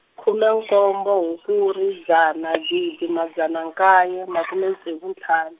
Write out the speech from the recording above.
khume nkombo Hukuri dzana gidi madzana nkaye makume ntsevu ntlhanu.